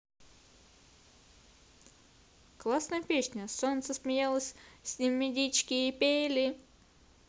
классная песня солнце смеялось с ним медички пели